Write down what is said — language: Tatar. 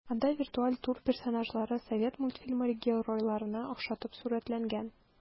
Анда виртуаль тур персонажлары совет мультфильмы геройларына охшатып сурәтләнгән.